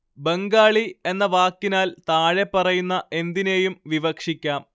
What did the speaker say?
ബംഗാളി എന്ന വാക്കിനാല്‍ താഴെപ്പറയുന്ന എന്തിനേയും വിവക്ഷിക്കാം